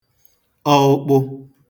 ọụkpụ